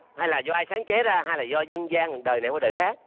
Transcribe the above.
hay là do ai sáng chế ra hay là do dân gian đời này qua đời khác